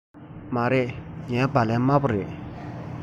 མ རེད ངའི སྦ ལན དམར པོ རེད